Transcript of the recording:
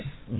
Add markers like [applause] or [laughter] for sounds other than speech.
[hesitation] [hesitation]